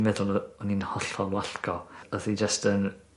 ...meddwl odd yy o'n i'n hollol wallgo. Odd hi jyst yn